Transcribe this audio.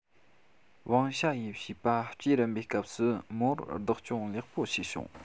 ཝང ཞ ཡི བྱིས པ སྐྱེས རན པའི སྐབས སུ མོར བདག སྐྱོང ལེགས པོ བྱས བྱུང